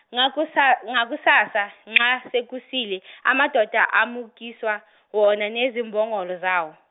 ngakusa- ngakusasa nxa sekusile amadoda amukiswa wona nezimbongolo zawo.